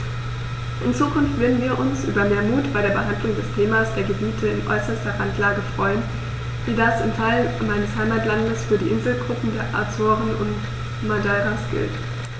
In Zukunft würden wir uns über mehr Mut bei der Behandlung des Themas der Gebiete in äußerster Randlage freuen, wie das im Fall meines Heimatlandes für die Inselgruppen der Azoren und Madeiras gilt.